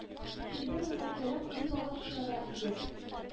Сөмбел рәхәтләнеп көнбагыш яра иде